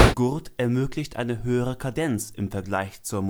Gurt ermöglicht eine höhere Kadenz im Vergleich zu